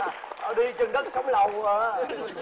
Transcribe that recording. đi chân đất sống lâu á